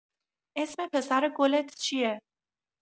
اسم پسر گلت چیه؟